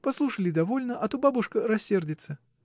Послушали и довольно, а то бабушка рассердится.